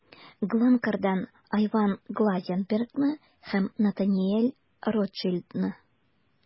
Glencore'дан Айван Глазенбергны һәм Натаниэль Ротшильдны.